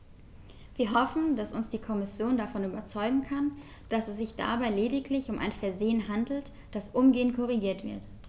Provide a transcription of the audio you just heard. Wir hoffen, dass uns die Kommission davon überzeugen kann, dass es sich dabei lediglich um ein Versehen handelt, das umgehend korrigiert wird.